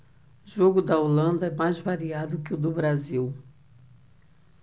jogo da holanda é mais variado que o do brasil